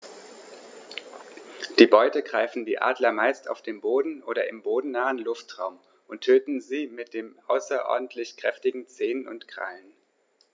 Die Beute greifen die Adler meist auf dem Boden oder im bodennahen Luftraum und töten sie mit den außerordentlich kräftigen Zehen und Krallen.